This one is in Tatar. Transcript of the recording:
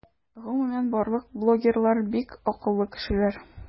Гомумән барлык блогерлар - бик акыллы кешеләр.